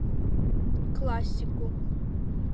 классику